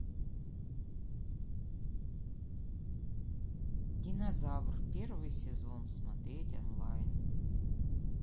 динозавр первый сезон смотреть онлайн